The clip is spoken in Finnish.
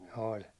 oli